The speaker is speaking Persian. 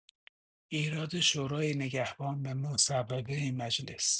ایراد شورای نگهبان به مصوبه مجلس